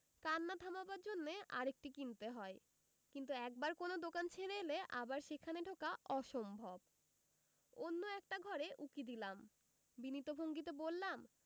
কান্না থামাবার জন্যে আরেকটি কিনতে হয় কিন্তু একবার কোন দোকান ছেড়ে এলে আবার সেখানে ঢোকা অসম্ভব অন্য একার্ট ঘরে উকি দিলাম বিনীত ভঙ্গিতে বললাম